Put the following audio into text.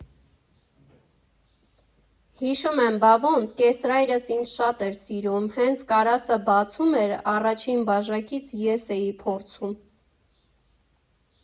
Հիշում եմ, բա ոնց, կեսրայրս ինձ շատ էր սիրում, հենց կարասը բացում էր, առաջին բաժակից ես էի փորձում։